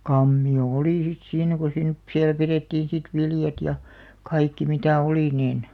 kammio oli sitten siinä kun - siellä pidettiin sitten viljat ja kaikki mitä oli niin